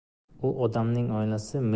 u odamning oilasi